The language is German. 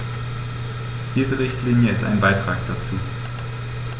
Diese Richtlinie ist ein Beitrag dazu.